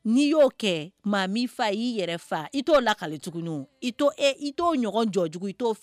N'i y'o kɛ maa min fa y'i yɛrɛ fa i t'o lakale tugun i i t'o ɲɔgɔn jɔjugu i t'o